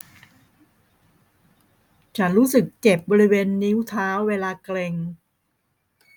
ฉันรู้สึกเจ็บบริเวณนิ้วเท้าเวลาเกร็ง